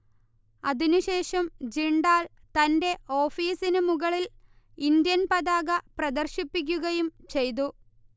അതിനു ശേഷം ജിണ്ടാൽ തന്റെ ഓഫീസിനു മുകളിൽ ഇന്ത്യൻ പതാക പ്രദർശിപ്പിക്കുകയും ചെയ്തു